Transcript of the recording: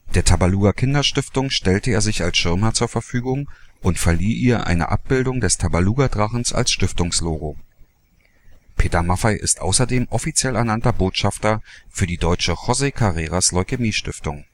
Der Tabaluga Kinderstiftung stellte er sich als Schirmherr zur Verfügung und verlieh ihr eine Abbildung des Tabaluga-Drachens als Stiftungslogo. Peter Maffay ist außerdem offiziell ernannter Botschafter für die Deutsche José Carreras Leukämie-Stiftung